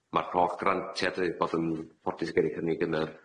Ma'r holl grantie di- bod yn ffodus greu hynna gyna